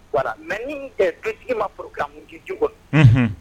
Voila mais ni dutigi ma poro ka muriti du kɔnɔ, unhun.